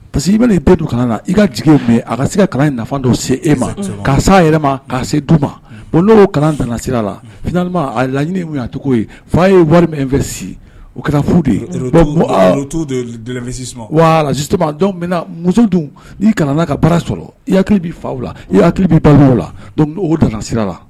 Pa que i bɛ i don kana na i ka jigin a ka se ka nafa don se e ma ka yɛrɛ ma' se ma n' kalan sira laɲini cogo fa ye wari min fɛ o kɛra fu de wa muso' kana ka sɔrɔ i hakili fa la i hakili la la